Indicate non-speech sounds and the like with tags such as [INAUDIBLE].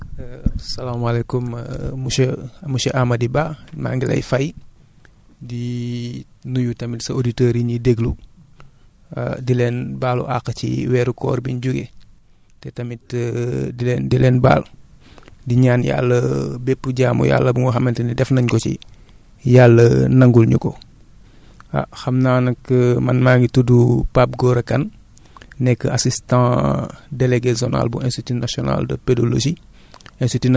[HESITATION] salaamaaleykum [HESITATION] monsieur monsieur Amady Ba maa ngi lay fay di [HESITATION] nuyu tamit sa auditeurs yi ñuy déglu [HESITATION] di leen baalu àq ci weeru koor biñ jógee te tamit [HESITATION] di leen di leen baal di ñaan Yàlla [HESITATION] bépp jaamu Yàlla bu nga xamante ni def nañ ko si Yàlla [HESITATION] nangul ñu ko a xam naa nag [HESITATION] man maa ngi tudd [HESITATION] Pape Gora Kane [SMACKS LIPS] nekk assistant [HESITATION] délégué zonal bu institut national de pedologie [SMACKS LIPS]